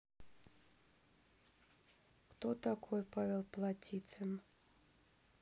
кто такой павел плотицын